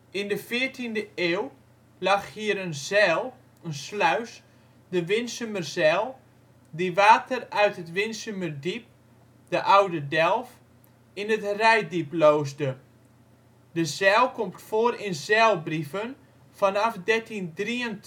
In de 14e eeuw lag hier een zijl (sluis), de Winsumerzijl, die water uit het Winsumerdiep (de oude Delf) in het Reitdiep loosde. De zijl komt voor in zijlbrieven vanaf 1323